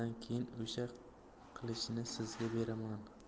o'sha qilichni sizga beraman